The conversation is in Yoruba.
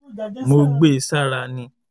Mo gbe sára ni.”